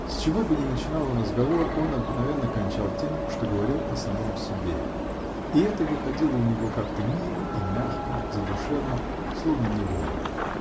С чего бы ни начинал он разговор, он -- обыкновенно кончал тем, что говорил о самом себе, я это выходило у него как-то мило и мягко, задушевно, словно невольно.